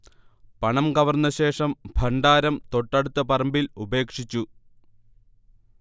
പണം കവർന്നശേഷം ഭണ്ഡാരം തൊട്ടടുത്ത പറമ്പിൽ ഉപേക്ഷിച്ചു